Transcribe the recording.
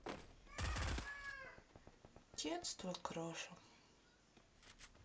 детство кроша